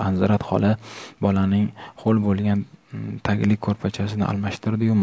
anzirat xola bolaning ho'l bo'lgan taglik ko'rpachasini almashtirdi yu